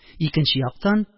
Икенче яктан